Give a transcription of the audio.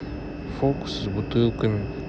фокусы с бутылками